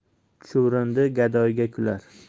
chuvrindi gadoyga kular